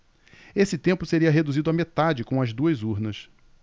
esse tempo seria reduzido à metade com as duas urnas